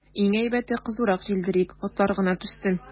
Иң әйбәте, кызурак җилдерик, атлар гына түзсен.